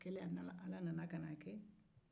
ala nana ka na kɛ